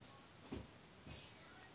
ты письку бреешь